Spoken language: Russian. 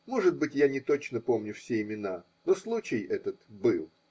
Может быть, я неточно помню все имена, но случай этот был.